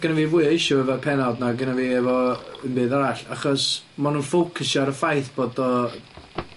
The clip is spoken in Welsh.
genna fi fwy o issue efo'r pennod na gynna fi efo yy 'im byd arall, achos ma' nw'n focysio ar y ffaith bod o